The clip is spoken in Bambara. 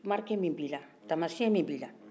marque tamasiɲɛ min b'ila